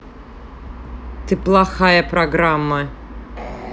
ты плохая программа